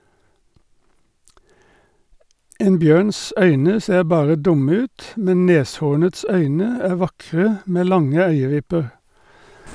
En bjørns øyne ser bare dumme ut, men neshornets øyne er vakre, med lange øyevipper.